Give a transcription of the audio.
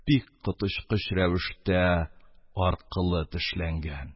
Бик коточкыч рәвештә аркылы тешләнгән.